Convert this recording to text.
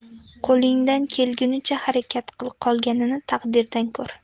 qo'lingdan kelgancha harakat qil qolganini taqdirdan ko'r